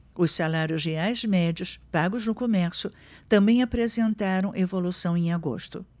os salários reais médios pagos no comércio também apresentaram evolução em agosto